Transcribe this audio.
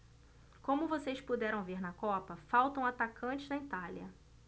como vocês puderam ver na copa faltam atacantes na itália